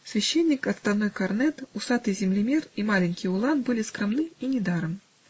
Священник, отставной корнет, усатый землемер и маленький улан были скромны, и недаром.